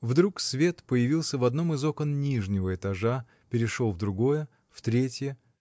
Вдруг свет появился в одном из окон нижнего этажа, перешел в другое, в третье.